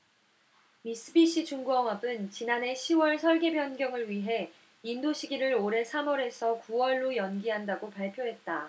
미쓰비시 중공업은 지난해 시 월 설계 변경을 위해 인도시기를 올해 삼 월에서 구 월로 연기한다고 발표했다